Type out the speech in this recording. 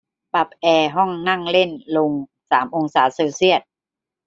ปรับแอร์ห้องนั่งเล่นลงสามองศาเซลเซียส